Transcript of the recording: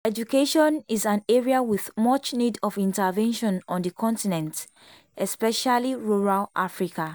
Education is an area with much need of intervention on the continent, especially rural Africa.